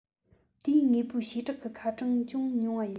དེའི དངོས པོའི བྱེ བྲག གི ཁ གྲངས ཅུང ཉུང བ ཡིན